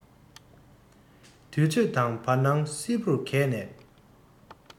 དུས ཚོད དང བར སྣང སིལ བུར གས ནས